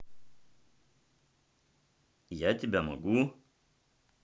я тебя могу